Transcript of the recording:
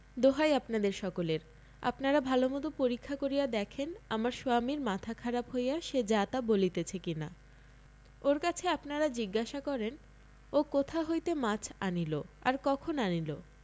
দোহাই আপনাদের সকলের আপনারা ভালোমতো পরীক্ষা করিয়া দেখেন আমার সোয়ামীর মাথা খারাপ হইয়া সে যাতা বলিতেছে কিনা ওর কাছে আপনারা জিজ্ঞাসা করেন ও কোথা হইতে মাছ আনিল আর কখন আনিল